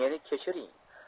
meni kechiring